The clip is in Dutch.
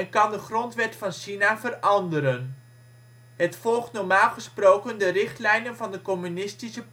kan de grondwet van China veranderen. Het volgt normaal gesproken de richtlijnen van de Communistische